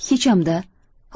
hecham da